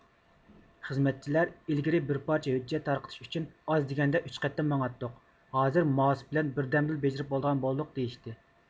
خىزمەتچىلەر ئىلگىرى بىر پارچە ھۆججەت تارقىتىش ئۈچۈن ئاز دېگەندە ئۈچ قېتىم ماڭاتتۇق ھازىر مائۇس بىلەن بىردەمدىلا بېجىرىپ بولىدىغان بولدۇق دېيىشتى